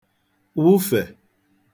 wụfè